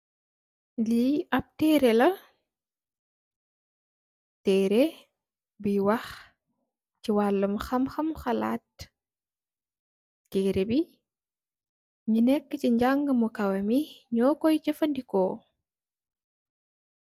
Li ap terreh la, terreh bi wax ci walam xamxam xelat. Terreh bi ñi nekka ci njanga mu kawèh mi ño Koy jafandiko.